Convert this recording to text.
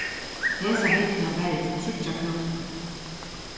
hesa vikuna var eg til tríggjar próvtøkur